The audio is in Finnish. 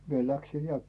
minä lähdin ja